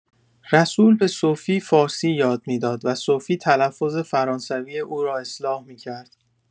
رسول به سوفی فارسی یاد می‌داد و سوفی تلفظ فرانسوی او را اصلاح می‌کرد.